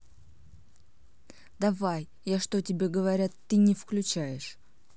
давай я что тебе говорят ты не включаешь